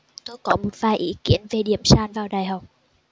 tôi có một vài ý kiến về điểm sàn vào đại học